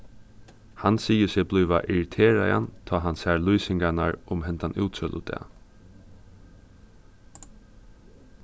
hann sigur seg blíva irriteraðan tá hann sær lýsingarnar um hendan útsøludag